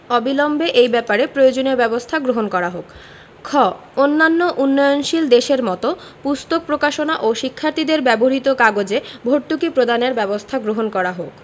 অবিলম্বে এই ব্যাপারে প্রয়োজনীয় ব্যাবস্থা গ্রহণ করা হোক খ অন্যান্য উন্নয়নশীল দেশের মত পুস্তক প্রকাশনা ও শিক্ষার্থীদের ব্যবহৃত কাগজে ভর্তুকি প্রদানের ব্যবস্থা গ্রহণ করা হোক